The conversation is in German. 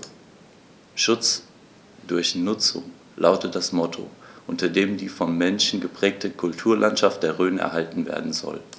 „Schutz durch Nutzung“ lautet das Motto, unter dem die vom Menschen geprägte Kulturlandschaft der Rhön erhalten werden soll.